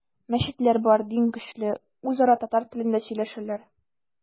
Мәчетләр бар, дин көчле, үзара татар телендә сөйләшәләр.